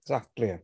Exactly.